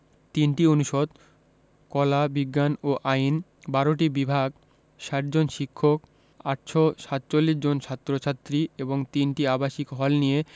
৩টি অনুষদ কলা বিজ্ঞান ও আইন ১২টি বিভাগ ৬০ জন শিক্ষক ৮৪৭ জন ছাত্র ছাত্রী এবং ৩টি আবাসিক হল নিয়ে